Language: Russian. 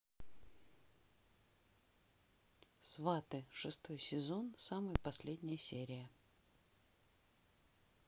сваты шестой сезон самая последняя серия